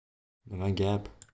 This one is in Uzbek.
nima gap